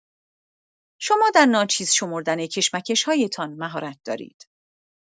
شما در ناچیز شمردن کشمکش‌هایتان مهارت دارید.